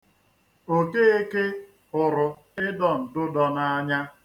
Okeke hụrụ ịdọ ndụdọ n'anya.